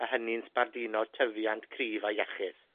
a hynny'n sbarduno tyfiant cryf a iechus.